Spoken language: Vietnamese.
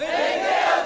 tình